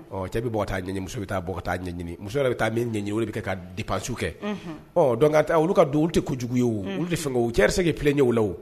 Ɔ cɛ bɛ bɔ ka ta'a ɲɛɲini muso bɛ bɔ ka ta'a ɲɛɲini, muso yɛrɛ bɛ taa min ɲɛɲini o de bɛ kɛ ka dépenses kɛ, unhun, ɔ donc olu ka don olu tɛ kojugu ye wo , olu de fɛn wo, cɛ yɛrɛ tɛ se k'i plaingner o la wo